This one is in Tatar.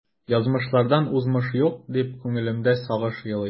Язмышлардан узмыш юк, дип күңелемдә сагыш елый.